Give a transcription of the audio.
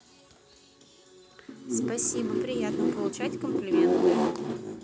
спасибо приятно получать комплименты